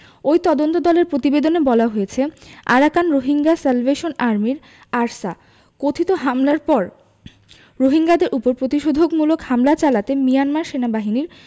ওই তদন্তদলের প্রতিবেদনে বলা হয়েছে আরাকান রোহিঙ্গা স্যালভেশন আর্মির আরসা কথিত হামলার পর রোহিঙ্গাদের ওপর প্রতিশোধকমূলক হামলা চালাতে মিয়ানমার সেনাবাহিনীর